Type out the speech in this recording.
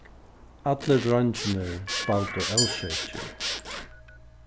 allir dreingirnir spældu ósekir